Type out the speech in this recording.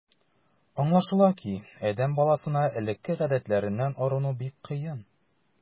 Аңлашыла ки, адәм баласына элекке гадәтләреннән арыну бик авыр.